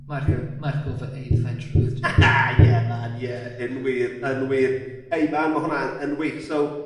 Marc... Ie. ...marc o fy aeddfedrwydd dwi'n meddwl. Yeah man yeah in wir yn wir. Hey man ma' hwnna yn wych so